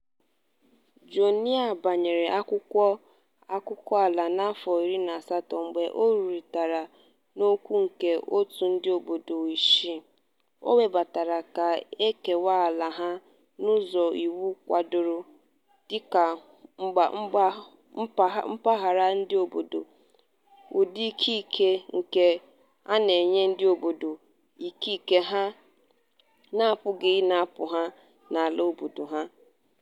Joênia banyere akwụkwọ akụkọala n'afọ 2008 mgbe ọ rụrịtaraụka n'okwu nke òtù ndị obodo ise webatara ka e kewaa ala ha n'ụzọ iwu kwadoro dịka mpaghara ndị obodo, ụdị ikike nke na-enye ndị obodo ikike ha n'apụghị inapụ ha n'ala obodo ha.